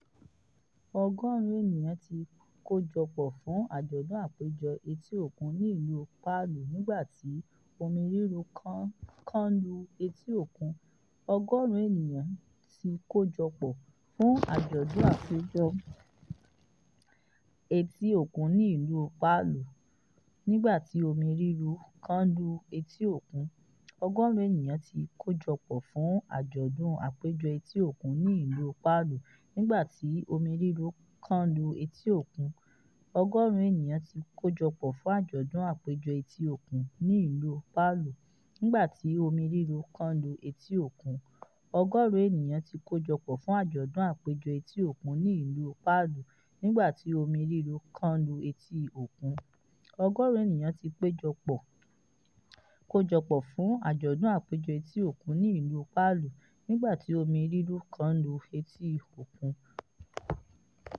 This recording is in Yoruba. Ọgọrùn-ún ènìyàn ti kójọpọ̀ fún àjọ̀dún àpéjọ etí òkun ní ìlú Palu nígbà tí omi rírú kánlu etí òkun.